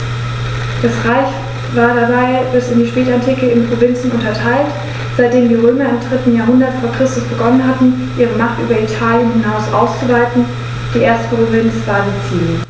Das Reich war dabei bis in die Spätantike in Provinzen unterteilt, seitdem die Römer im 3. Jahrhundert vor Christus begonnen hatten, ihre Macht über Italien hinaus auszuweiten (die erste Provinz war Sizilien).